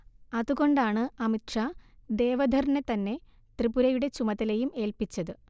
അതുകൊണ്ടാണ് അമിത് ഷാ ദേവധറിനെ തന്നെ ത്രിപുരയുടെ ചുമതലയും ഏൽപിച്ചത്